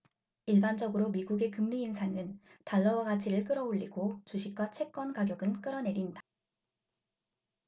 일반적으로 미국의 금리 인상은 달러화 가치를 끌어올리고 주식과 채권 가격은 끌어내린다